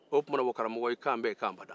k'an bɛn k'an bada